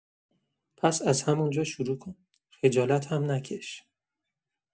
پس از همون‌جا شروع کن، خجالت هم نکش.